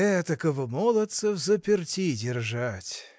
– Этакого молодца взаперти держать!